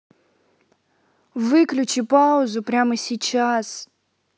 выключи паузу прямо сейчас